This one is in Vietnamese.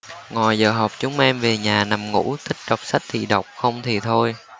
ngoài giờ học chúng em về nhà nằm ngủ thích đọc sách thì đọc không thì thôi